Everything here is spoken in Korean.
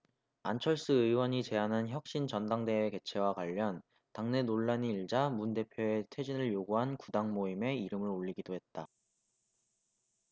안철수 의원이 제안한 혁신 전당대회 개최와 관련 당내 논란이 일자 문 대표의 퇴진을 요구한 구당모임에 이름을 올리기도 했다